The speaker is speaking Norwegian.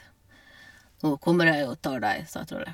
Nå kommer jeg og tar deg, sa trollet.